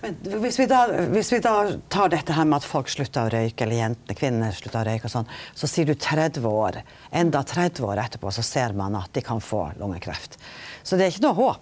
men viss vi då viss vi då tar dette her med at folk sluttar å røyke eller jenter kvinner sluttar å røyke og sånn så seier du 30 år enda 30 år etterpå så ser ein at dei kan få lungekreft, så det er ikkje noko håp.